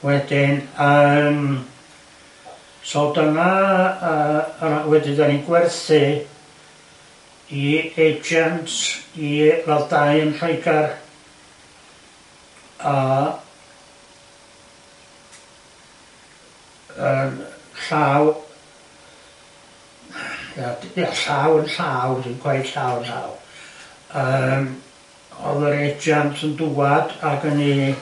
Wedyn yym so dyna yy... wedyn dan ni'n gwerthu i agents i ladd-dai yn Lloegar a yy llaw ia ia llaw yn llaw dim cweit llaw yn llaw yym o'dd yr agent yn dŵad ac yn i